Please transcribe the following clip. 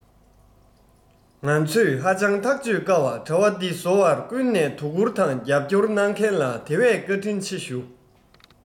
ང ཚོས ཧ ཅང ཐག གཅོད དཀའ བ དྲ བ འདི བཟོ བར ཀུན ནས དོ ཁུར དང རྒྱབ སྐྱོར གནང མཁན ལ དེ བས བཀའ དྲིན ཆེ ཞུ